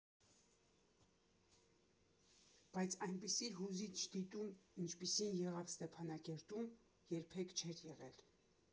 Բայց այնպիսի հուզիչ դիտում, ինչպիսին եղավ Ստեփանակերտում, երբեք չէր եղել։